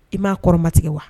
I m'a kɔrɔmatigɛ wa